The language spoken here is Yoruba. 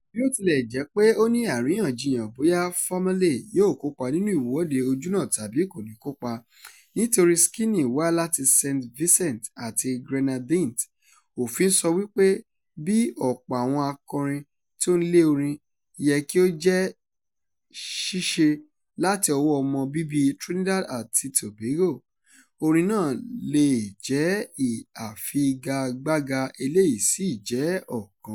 Bí ó ti lẹ̀ jé pé ó ní àríyànjiyàn bóyá "Famalay" yóò kópa nínú Ìwọ́de Ojúnà tàbí kò ní í kópa, nítorí Skinny wá láti St. Vincent àti Grenadines, òfin sọ wípé bí “ọ̀pọ̀ àwọn akọrin tí ó ń lé orin” yẹ kí "ó jẹ́ ṣíṣe láti ọwọ́ọ ọmọ bíbíi Trinidad àti Tobago", orin náà lè jẹ́ afigagbága – eléyìí sì jẹ́ ọ̀kan.